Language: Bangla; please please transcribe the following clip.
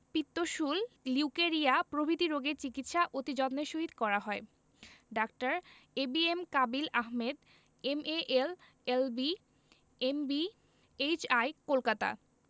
পিত্তশূল লিউকেরিয়া প্রভৃতি রোগের চিকিৎসা অতি যত্নের সহিত করা হয় ডাঃ A B M Kabil Ahmed M A L L B M B H I Kolkata